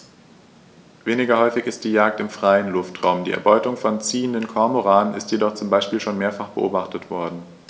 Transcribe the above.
Weniger häufig ist die Jagd im freien Luftraum; die Erbeutung von ziehenden Kormoranen ist jedoch zum Beispiel schon mehrfach beobachtet worden.